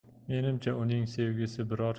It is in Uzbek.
menimcha uning sevgisi biror